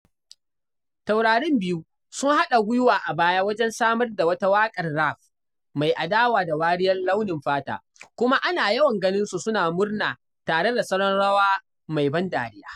Taurarin biyu sun haɗa gwiwa a baya wajen samar da wata waƙar rap mai adawa da wariyar launin fata kuma ana yawan ganinsu suna murna tare da salon rawa mai ban dariya.